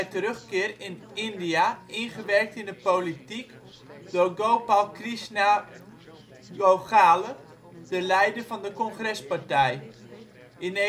terugkeer in India ingewerkt in de politiek door Gopal Krishna Gokhale, de leider van de Congrespartij. In 1918